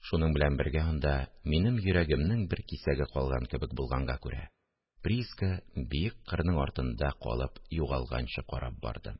Шуның белән бергә анда минем йөрәгемнең бер кисәге калган кебек булганга күрә, прииска биек кырның артында калып югалганчы карап бардым